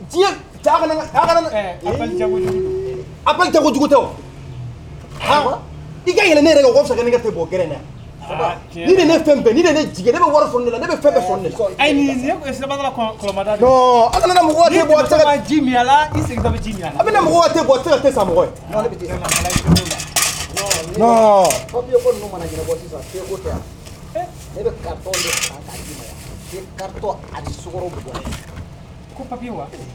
I ka ne ne bɔ na ni fɛn ne la ne bɛ ji i sa